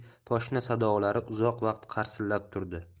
poshna sadolari uzoq vaqt qarsillab turdi